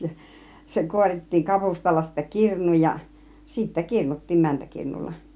ja se kuorittiin kapustalla sitten kirnuun ja sitten kirnuttiin mäntäkirnulla